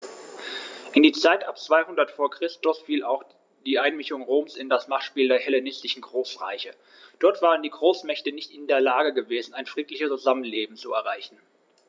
In die Zeit ab 200 v. Chr. fiel auch die Einmischung Roms in das Machtspiel der hellenistischen Großreiche: Dort waren die Großmächte nicht in der Lage gewesen, ein friedliches Zusammenleben zu erreichen.